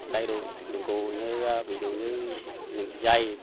đầy đủ dụng cụ như ví dụ như những dây